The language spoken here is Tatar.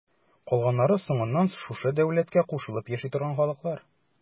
Калганнары соңыннан шушы дәүләткә кушылып яши торган халыклар.